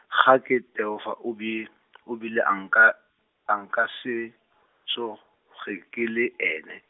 ga ke Teofo o bi- , o bile a nka, a nka, se, tsoge, ke le ene.